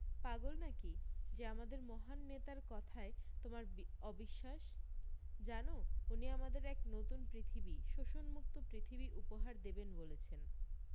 পাগল নাকি যে আমাদের মহান নেতার কথায় তোমার অবিশ্বাস জানো উনি আমাদের এক নতুন পৃথিবী শোষণমুক্ত পৃথিবী উপহার দেবেন বলেছেন